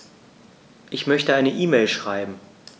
Ich möchte eine E-Mail schreiben.